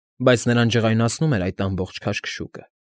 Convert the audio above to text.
Բայց նրան ջղայնացնում էր այդ ամբողջ քաշքշուկը։